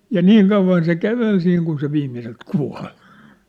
ja niin kauan se käveli siinä kun se viimeiseltä kuoli